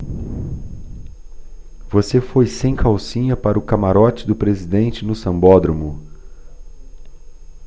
você foi sem calcinha para o camarote do presidente no sambódromo